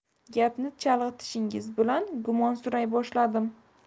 gapni chalg'itishingiz bilan gumonsiray boshladim